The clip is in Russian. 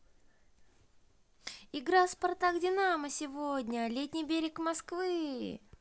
игра спартак динамо сегодня летний берег москвы